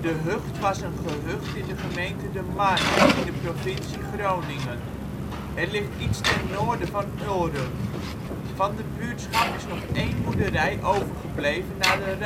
Hucht was een gehucht in de gemeente De Marne in de provincie Groningen. Het ligt iets ten noorden van Ulrum. Van de buurtschap is nog één boerderij overgebleven na de